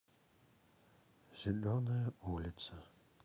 зеленая улица